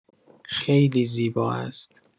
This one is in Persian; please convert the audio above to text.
خیلی زیبا است.